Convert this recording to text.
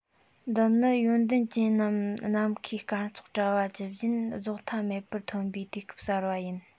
འདི ནི ཡོན ཏན ཅན རྣམས ནམ མཁའི སྐར ཚོགས བཀྲ བ ཇི བཞིན རྫོགས མཐའ མེད པར ཐོན པའི དུས རབས གསར པ ཡིན